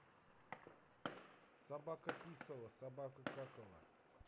собака писала собака какала